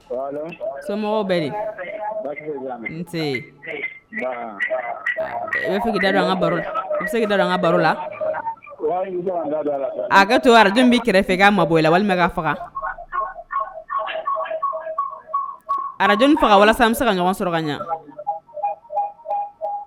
So i bɛ ka baro i bɛ dɔn an ka baro la a ka to araj bɛ kɛrɛfɛ fɛ mabɔ la walima ka faga araj bɛ se ka su ɲɛ